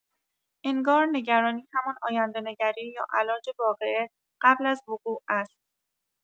انگار نگرانی همان آینده‌نگری یا علاج واقعه قبل از وقوع است.